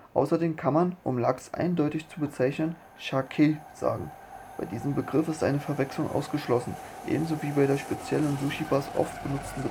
Außerdem kann man, um Lachs eindeutig zu bezeichnen, „ Shake “([ɕake]) sagen, bei diesem Begriff ist eine Verwechslung ausgeschlossen, ebenso wie bei der speziell in Sushi-Bars oft benutzten